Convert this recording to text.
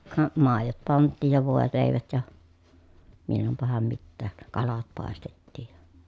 ka maidot pantiin ja voileivät ja milloinpahan mitäkin kalat paistettiin ja